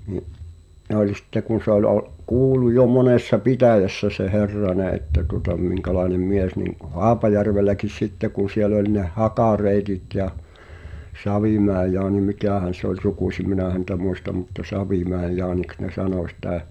niin ne oli sitten kun se oli - kuului jo monessa pitäjässä se Herranen että tuota minkälainen mies niin kuin Haapajärvelläkin sitten kun siellä oli ne Haka-Reetit ja Savimäen Jaani mikähän se oli sukuisin minä häntä muista mutta Savimäen Jaaniksi ne sanoi sitä